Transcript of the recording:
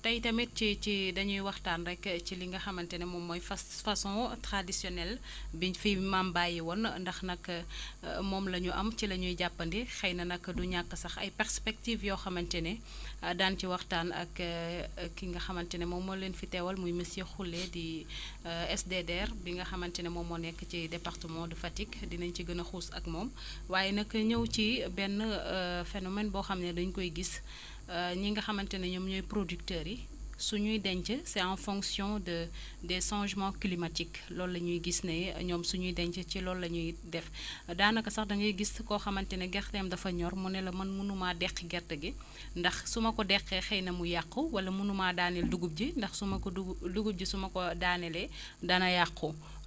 tey tamit ci dañuy waxtaan rek ci li nga xamante ne moom mooy faç façon traditionnelle bi ñu fi maam bàyyi woon ndax nag moom la ñu am ci la ñuy jàppandi xëy na nag du ñàkk sax ay paerspectives yoo xamante ne daan ci waxtaan ak ki nga xamante ni moom moo leen fi teewal muy monsieur Khoule di SDDR bi nga xamante ne moom moo nekk ci département Fatick dinañ ci gën a xuus ak moom waaye nag ñëw ci benn phénomène boo xam ne dañ koy gis ñi nga xamante ne ñoom ñooy producteur yi suñuy denc c' est en fonction de des changements climatiques loolu la ñuy gis ne ñoom suñuy denc ci loolu la ñuy def daanaka sax da ngay gis koo xamante ne gerteem dafa ñor mu ne man mënumaa deqi gerte gi ndax su ma ko deqee xëy na mu yàqu wala mënumaa daaneel dugub ji ndax su ma ko dugu dugub ji su ma ko daanelee dana yàqu